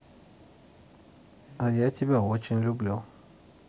а я тебя очень люблю